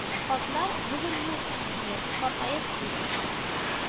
Атлар бүген юк инде, картаеп, күз